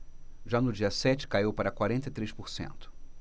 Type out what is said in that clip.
já no dia sete caiu para quarenta e três por cento